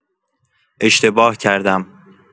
اشتباه کردم.